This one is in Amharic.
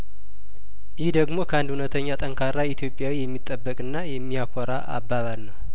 ይህ ደግሞ ከአንድ እውነተኛ ጠንካራ ኢትዮጵያዊ የሚጠበቅና የሚያኮራ አባባል ነው